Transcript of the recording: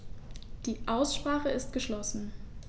Die Aussprache ist geschlossen.